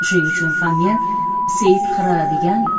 shuning uchun ham men seit xira degan